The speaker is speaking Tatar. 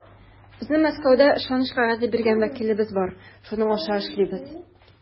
Безнең Мәскәүдә ышаныч кәгазе биргән вәкилебез бар, шуның аша эшлибез.